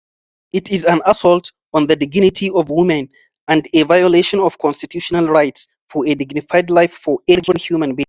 It is an assault on the dignity of women and a violation of constitutional rights for a dignified life for every human being.